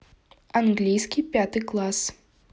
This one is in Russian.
английский пятый класс